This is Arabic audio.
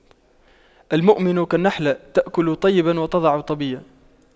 المؤمن كالنحلة تأكل طيبا وتضع طيبا